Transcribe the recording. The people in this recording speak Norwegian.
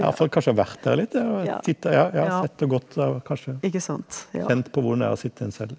ja for kanskje å ha vært der litt ja titta ja ja sett og gått der og kanskje kjent på hvordan det er og sitte i en celle.